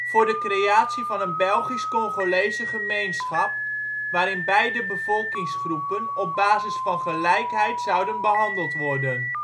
voor de creatie van een ' Belgisch-Congolese gemeenschap ', waarin beide bevolkingsgroepen op basis van gelijkheid zouden behandeld worden